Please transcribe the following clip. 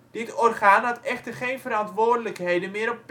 Dit orgaan had echter geen verantwoordelijkheden meer